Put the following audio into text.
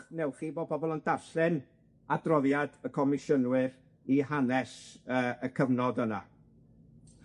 newch chi, bo' pobol yn darllen adroddiad y Comisiynydd i hanes yy y cyfnod yna,